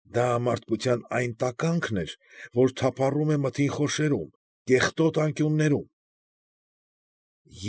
Դա մարդկության այն տականքն էր, որ թափառում էր մթին խորշերում, կեղտոտ անկյուններում։